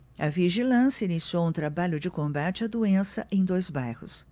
a vigilância iniciou um trabalho de combate à doença em dois bairros